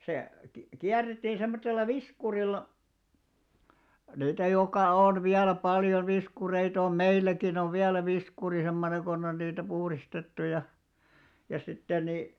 se - kierrettiin semmoisella viskurilla niitä joka on vielä paljon viskureita on meilläkin on vielä viskuri semmoinen kun on niitä puhdistettu ja ja sitten niin